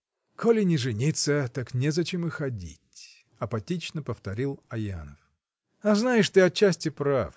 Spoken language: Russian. — Коли не жениться, так незачем и ходить, — апатично повторил Аянов. — А знаешь — ты отчасти прав.